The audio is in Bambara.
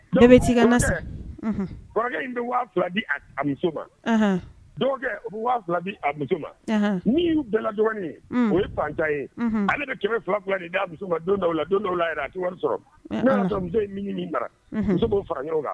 Ne in bɛ fila di a muso ma dɔwkɛ u bɛ fila di a muso ma ni yu bɛɛla dɔgɔnin o ye fantan ye ale bɛ kɛmɛ fila fila ni da muso ma donda la don dɔw la a wari sɔrɔ muso min min mara muso'o fara ɲɔgɔn kan